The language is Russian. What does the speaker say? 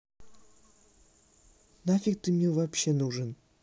нафиг ты мне вообще нужен